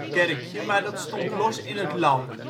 kerkje, maar dat stond los in het land